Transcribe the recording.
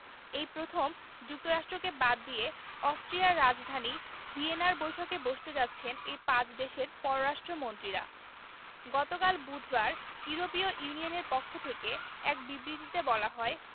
এই প্রথম যুক্তরাষ্ট্রকে বাদ দিয়ে অস্ট্রিয়ার রাজধানী ভিয়েনাতে বৈঠকে বসতে যাচ্ছেন এই পাঁচ দেশের পররাষ্ট্রমন্ত্রীরা গতকাল বুধবার ইউরোপীয় ইউনিয়নের পক্ষ থেকে এক বিবৃতিতে বলা হয়